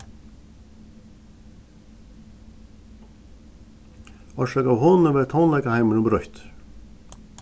orsakað av honum varð tónleikaheimurin broyttur